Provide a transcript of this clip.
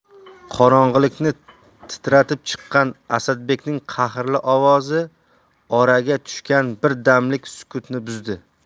qorong'ilikni titratib chiqqan asadbekning qahrli ovozi oraga tushgan bir damlik sukutni buzdi